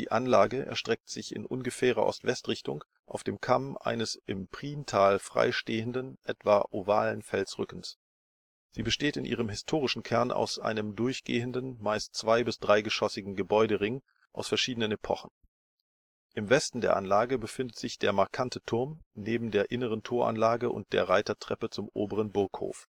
Anlage erstreckt sich in ungefährer Ost-Westrichtung auf dem Kamm eines im Priental frei stehenden, etwa ovalen Felsrückens. Sie besteht in ihrem historischen Kern aus einem durchgehenden, meist zwei - bis dreigeschossigen Gebäudering aus verschiedenen Epochen. Im Westen der Anlage befindet sich der markante Turm neben der inneren Toranlage und der Reitertreppe zum oberen Burghof